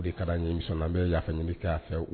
O ka yemi an bɛ'a fɛ nin bɛ kɛ fɛ